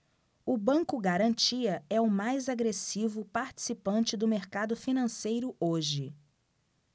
o banco garantia é o mais agressivo participante do mercado financeiro hoje